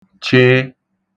ch